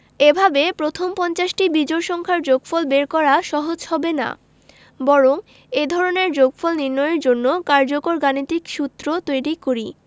এভাবে প্রথম পঞ্চাশটি বিজোড় সংখ্যার যোগফল বের করা সহজ হবে না বরং এ ধরনের যোগফল নির্ণয়ের জন্য কার্যকর গাণিতিক সূত্র তৈরি করি